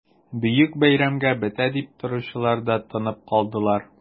Бөек бәйрәмгә бетә дип торучылар да тынып калдылар...